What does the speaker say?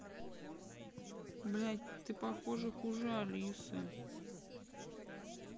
блядь ты похоже хуже алисы